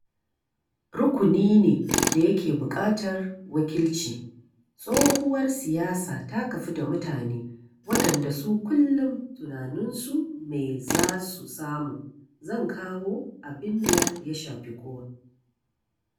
Rukuni ne da yake buƙatar wakilci. Tsohuwar siyasa ta kafu da mutane waɗanda su kullum tunaninsu mai za su samu. Zan kawo abin da ya shafi kowa.